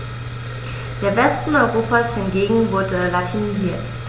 Der Westen Europas hingegen wurde latinisiert.